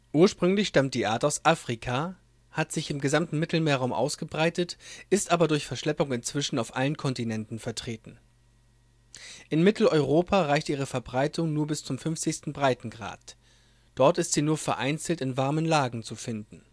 Ursprünglich stammt die Art aus Afrika, hat sich im gesamten Mittelmeerraum ausgebreitet, ist aber durch Verschleppung inzwischen auf allen Kontinenten vertreten. In Mitteleuropa reicht ihre Verbreitung nur bis zum 50. Breitengrad, dort ist sie nur vereinzelt in warmen Lagen zu finden